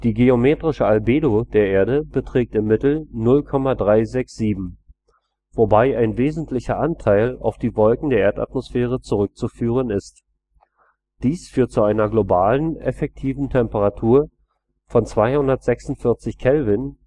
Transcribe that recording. geometrische Albedo der Erde beträgt im Mittel 0,367, wobei ein wesentlicher Anteil auf die Wolken der Erdatmosphäre zurückzuführen ist. Dies führt zu einer globalen effektiven Temperatur von 246 K